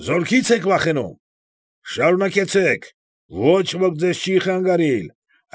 Զորքի՞ց եք վախենում։ Շարունակեցեք, ոչ ոք ձեզ չի խանգարիլ։